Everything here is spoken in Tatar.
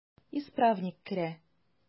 Исправник керә.